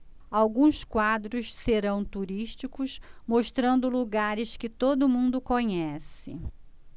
alguns quadros serão turísticos mostrando lugares que todo mundo conhece